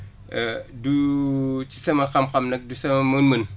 du ci sama xam-xam nag du sama mën-mën